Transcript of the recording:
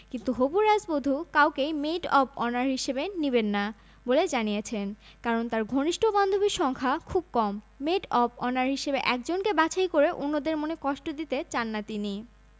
বিয়ের আনুষ্ঠানিকতা শেষে নবদম্পতি গির্জার বাইরে দাঁড়িয়ে থাকা হ্যারির নিজস্ব দাতব্য প্রতিষ্ঠানের ২০০ প্রতিনিধির সঙ্গে শুভেচ্ছা বিনিময় করবেন এরপর ঘোড়ার গাড়িতে চড়ে উইন্ডসর ক্যাসেল ত্যাগ করবেন হ্যারি ও মেগান